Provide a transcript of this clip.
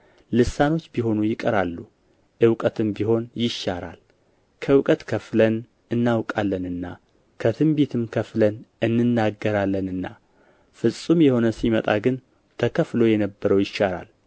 ልሳኖች ቢሆኑ ይቀራሉ እውቀትም ቢሆን ይሻራል ከእውቀት ከፍለን እናውቃለንና ከትንቢትም ከፍለን እንናገራለንና ፍጹም የሆነ ሲመጣ ግን ተከፍሎ የነበረው ይሻራል